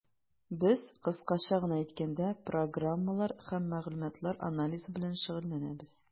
Без, кыскача гына әйткәндә, программалар һәм мәгълүматлар анализы белән шөгыльләнәбез.